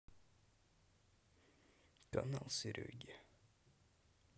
канал сереги